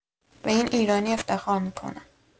به این ایرانی افتخار می‌کنم